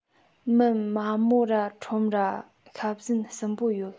མིན མ མོ ར ཁྲོམ ར ཤ བཟན གསུམ པོ ཡོད